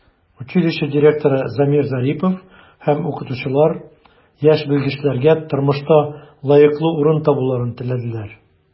Училище директоры Замир Зарипов һәм укытучылар яшь белгечләргә тормышта лаеклы урын табуларын теләделәр.